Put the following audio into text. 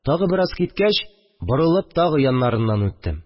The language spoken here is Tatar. Тагы бераз киткәч, борылып, тагы яннарыннан үттем